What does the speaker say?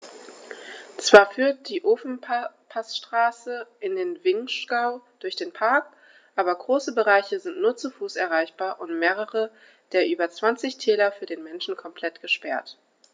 Zwar führt die Ofenpassstraße in den Vinschgau durch den Park, aber große Bereiche sind nur zu Fuß erreichbar und mehrere der über 20 Täler für den Menschen komplett gesperrt.